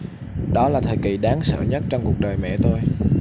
đó là thời kỳ đáng sợ nhất trong cuộc đời mẹ tôi